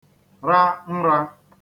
ra nrā